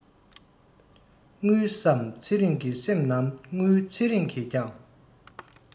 དངུལ བསམ ཚེ རང གི སེམས ནང དངུལ ཚེ རིང གིས ཀྱང